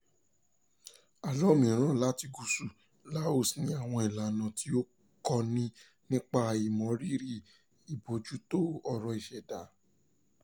Àlọ́ mìíràn láti gúúsù Laos ní àwọn ìlànà tí ó kọ́ni nípa ìmọrírìi ìbójútó ọrọ̀ ìṣẹ̀dá: